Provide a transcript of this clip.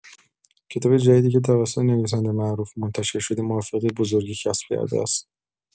کتاب جدیدی که توسط نویسنده معروف منتشر شده، موفقیت بزرگی کسب کرده است.